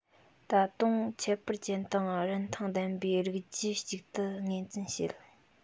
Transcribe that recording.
ད དུང ཁྱད པར ཅན དང རིན ཐང ལྡན པའི རིགས རྒྱུད ཅིག ཏུ ངོས འཛིན བྱེད